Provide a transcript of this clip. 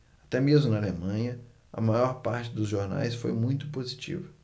até mesmo na alemanha a maior parte dos jornais foi muito positiva